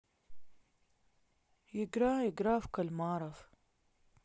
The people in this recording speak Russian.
игра игра в кальмаров